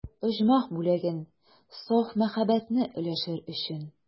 Оҗмах бүләген, саф мәхәббәтне өләшер өчен.